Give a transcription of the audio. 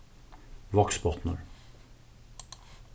vágsbotnur